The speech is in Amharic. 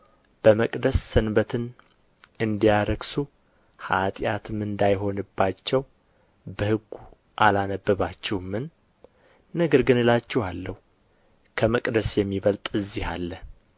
በመቅደስ ሰንበትን እንዲያረክሱ ኃጢአትም እንዳይሆንባቸው በሕጉ አላነበባችሁምን ነገር ግን እላችኋለሁ ከመቅደስ የሚበልጥ ከዚህ አለ